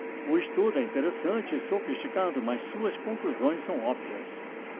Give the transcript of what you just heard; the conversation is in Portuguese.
o estudo é interessante e sofisticado mas suas conclusões são óbvias